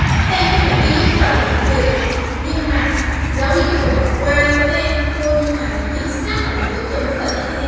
em có thể ghi dấu phẩy cũng được nhưng mà giáo viên có thể bỏ qua cho các em thua nhưng mà chính xác phải lấy dấu chấm phẩy như thế